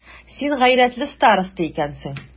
Син гайрәтле староста икәнсең.